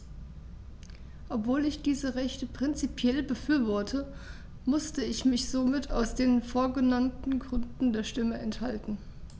Obwohl ich diese Rechte prinzipiell befürworte, musste ich mich somit aus den vorgenannten Gründen der Stimme enthalten.